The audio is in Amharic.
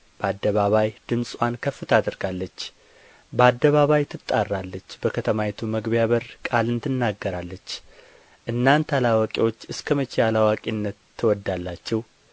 በአደባባይ ድምፅዋን ከፍ ታደርጋለች በአደባባይ ትጣራለች በከተማይቱ መግቢያ በር ቃልን ትናገራለች እናንተ አላዋቂዎች እስከ መቼ አላዋቂነት ትወድዳላችሁ